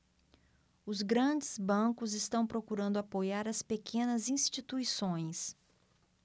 os grandes bancos estão procurando apoiar as pequenas instituições